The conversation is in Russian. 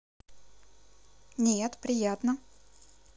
нет приятно